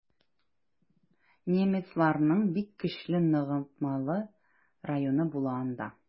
Немецларның бик көчле ныгытмалы районы була анда.